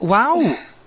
Waw!